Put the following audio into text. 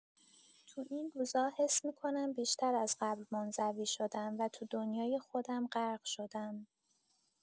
تو این روزا حس می‌کنم بیشتر از قبل منزوی شدم و تو دنیای خودم غرق شدم.